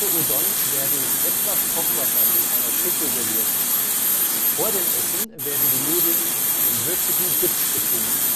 Udon werden mit etwas Kochwasser in einer Schüssel serviert. Vor dem Essen werden die Nudeln in einen würzigen Dip getunkt